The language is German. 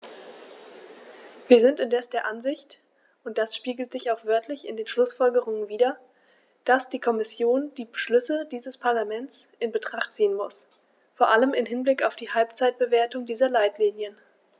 Wir sind indes der Ansicht und das spiegelt sich auch wörtlich in den Schlussfolgerungen wider, dass die Kommission die Beschlüsse dieses Parlaments in Betracht ziehen muss, vor allem im Hinblick auf die Halbzeitbewertung dieser Leitlinien.